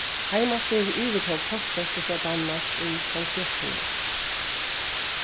heimastýrið yvirtók postverkið frá danmark í hálvfjerðsunum